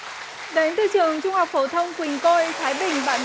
đến từ trường trung học phổ thông quỳnh côi thái bình bạn